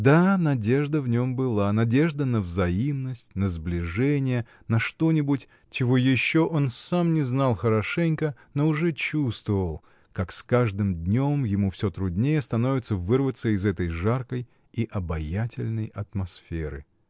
Да, надежда в нем была, надежда на взаимность, на сближение, на что-нибудь, чего еще он сам не знал хорошенько, но уже чувствовал, как с каждым днем ему всё труднее становится вырваться из этой жаркой и обаятельной атмосферы.